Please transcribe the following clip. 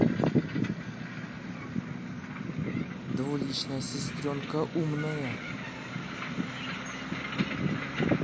двуличная сестренка умная